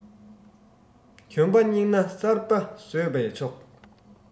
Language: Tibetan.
གྱོན པ རྙིངས ན གསར པ བཟོས པས ཆོག